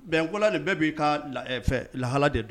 Bɛn n kola nin bɛɛ b'i ka fɛ lahala de don